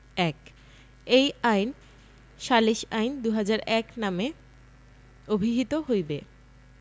১ এই আইন সালিস আইন ২০০১ নামে অভিহিত হইবে